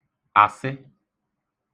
àsị